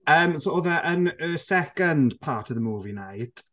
Yym, so oedd e yn y second part of the movie night...